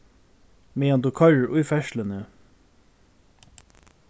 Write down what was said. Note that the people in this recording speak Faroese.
meðan tú koyrir í ferðsluni